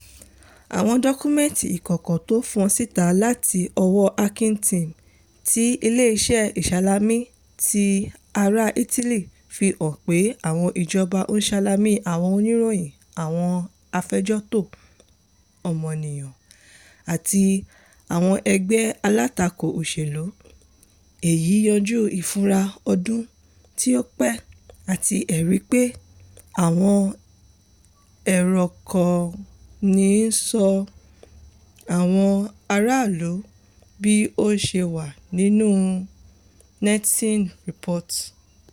Àwọn dọ́kúmẹ́ntì ìkọ̀kọ̀ tó fọ́n síta láti ọwọ Hacking Team tí Ileeṣẹ́ ìṣalamí ti ará Italy, fi hàn pé àwọn ìjọba ń ṣalamí àwọn Oníròyìn, àwọn ajàfẹ̀tọ̀ọ́ ọmọniyan, àti àwọn ẹgbẹ́ alátakò òṣèlú - èyí yanjú ìfura ọdún tó pé àti ẹrí pé àwọn ẹ̀rọ kán ń ṣọ́ àwọn aráàlú bí ó ṣe wà nínú Netizen Report.